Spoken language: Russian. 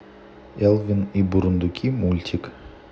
элвин и бурундуки мультик